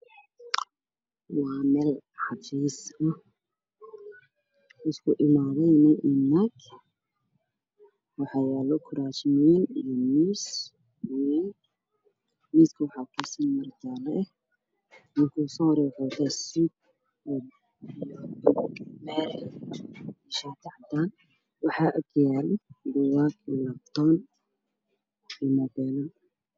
Waxaa ii muuqda niman kuraas ku fadhiyo oo shir ku jira nin iyo naag way taagan yihiin dadka kalena way fadhiyaan qaar waxabay qorayaan qaarna biyaa horyaalo